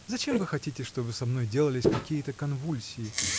— Зачем вы хотите, чтоб со мной делались какие-то конвульсии?